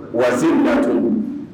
Wase' tun don